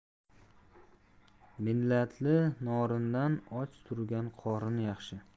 minnatli norindan och turgan qorin yaxshi